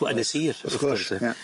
We- yn y sir wrth gwrs ie.